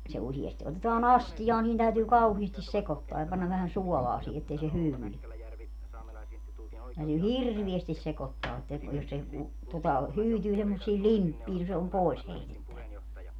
no se se useasti otetaan astiaan niin täytyy kauheasti sekoittaa ja panna vähän suolaa siihen että ei se hyydy niin täytyy hirveästi sekoittaa että jos se kun tuota hyytyy semmoisiin limppeihin no se on pois heitettävä